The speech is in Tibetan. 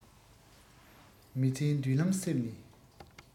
མི ཚེའི མདུན ལམ གསེབ ནས